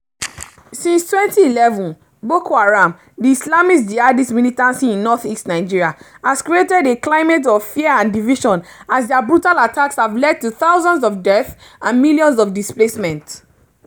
Since 2011, Boko Haram, the Islamist jihadist militancy in northeast Nigeria, has created a climate of fear and division as their brutal attacks have led to thousands of deaths and millions of displacements.